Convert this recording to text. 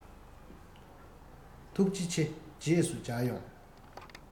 ཐུགས རྗེ ཆེ རྗེས སུ མཇལ ཡོང